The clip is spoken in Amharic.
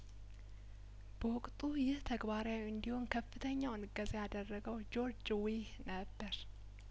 በወቅቱ ይህ ተግባራዊ እንዲሆን ከፍተኛውን እገዛ ያደረገው ጆርጅ ዊህ ነበር